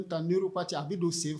N bɛ taa n ka cɛ a bɛ don sen